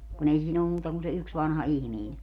kun ei siinä ollut muuta kuin se yksi vanha ihminen